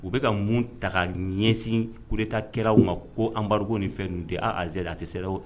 U bɛka ka mun ta ɲɛsin koeta kɛraw ma ko anbari ni fɛn ninnu tɛ aaazali a tɛ se o